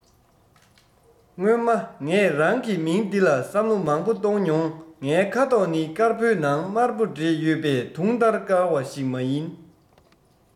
སྔོན མ ངས རང གི མིང འདི ལ བསམ བློ མང པོ བཏང མྱོང ངའི ཁ དོག ནི དཀར པོའི ནང དམར པོ འདྲེས ཡོད པས དུང ལྟར དཀར བ ཞིག མ ཡིན